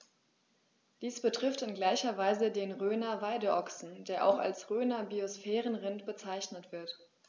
Dies betrifft in gleicher Weise den Rhöner Weideochsen, der auch als Rhöner Biosphärenrind bezeichnet wird.